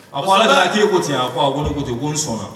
A ko ala a'e ko ten a ko a ko ko ten ko n sɔnna